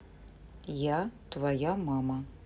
я твоя мама